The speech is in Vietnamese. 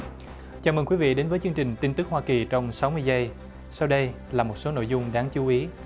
chào mừng quý vị đến với chương trình tin tức hoa kỳ trong sáu mươi giây sau đây là một số nội dung đáng chú ý